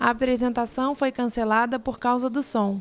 a apresentação foi cancelada por causa do som